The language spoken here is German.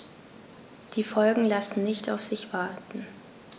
Die Folgen lassen nicht auf sich warten.